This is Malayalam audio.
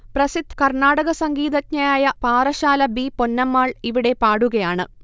പ്രസിദ്ധ്‌ കർണാടക സംഗീതജ്ഞയായ പാറശ്ശാല ബി പൊന്നമ്മാൾ ഇവിടെ പാടുകയാണ്